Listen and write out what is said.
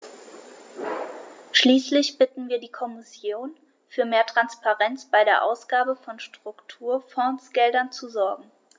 Schließlich bitten wir die Kommission, für mehr Transparenz bei der Ausgabe von Strukturfondsgeldern zu sorgen.